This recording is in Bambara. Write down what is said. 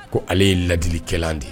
Ko ale ye ladilikɛlalan de ye